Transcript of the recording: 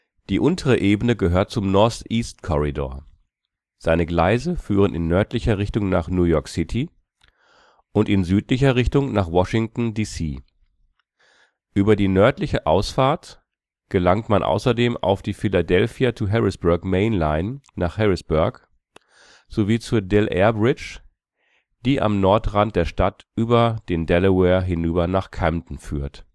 Die untere Ebene gehört zum Northeast Corridor. Seine Gleise führen in nördlicher Richtung nach New York City und in südlicher Richtung nach Washington D. C. Über die nördliche Ausfahrt gelangt man außerdem auf die Philadelphia to Harrisburg Main Line nach Harrisburg sowie zur Delair Bridge, die am Nordrand der Stadt über den Delaware hinüber nach Camden führt